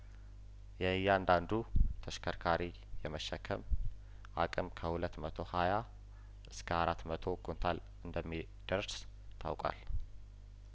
የእያንዳንዱ ተሽከርካሪ የመሸከም አቅም ከሁለት መቶ ሀያ እስከ አራት መቶ ኩንታል እንደሚደርስ ታውቋል